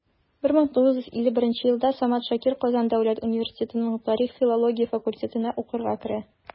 1951 елда самат шакир казан дәүләт университетының тарих-филология факультетына укырга керә.